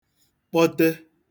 kpọte